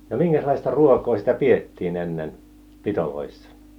no minkäslaista ruokaa sitä pidettiin ennen pidoissa